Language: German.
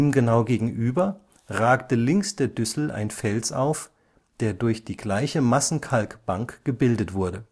genau gegenüber ragte links der Düssel ein Fels auf, der durch die gleiche Massenkalk-Bank gebildet wurde